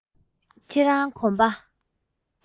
ཁྱོད རང གོམ པ